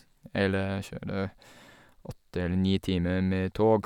Eller kjøre åtte eller ni timer med tog.